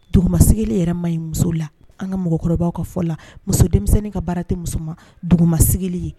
Dugumasigi yɛrɛ ma ɲi muso la an ka mɔgɔkɔrɔba ka fɔ la muso denmisɛnnin ka baara tɛ musoman ma dugumasigi ye